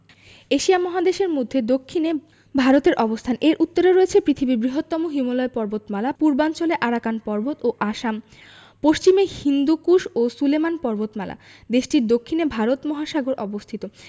Asia মহাদেশের মধ্যে দক্ষিনে ভারতের অবস্থান এর উত্তরে রয়েছে পৃথিবীর বৃহত্তম হিমালয় পর্বতমালা পূর্বাঞ্চলে আরাকান পর্বত ও আসামপশ্চিমাঞ্চলে হিন্দুকুশ ও সুলেমান পর্বতমালা দেশটির দক্ষিণে ভারত মহাসাগর অবস্থিত